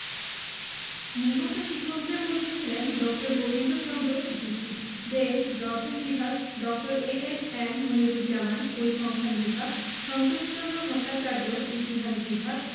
নিহত শিক্ষকদের মধ্যে ছিলেন ড. গোবিন্দচন্দ্র জি.সি দেব দর্শন বিভাগ ড. এ.এন.এম মনিরুজ্জামান পরিসংখান বিভাগ সন্তোষচন্দ্র ভট্টাচার্য ইতিহাস বিভাগ